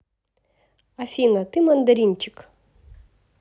афина ты мандаринчик